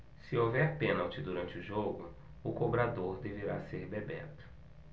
se houver pênalti durante o jogo o cobrador deverá ser bebeto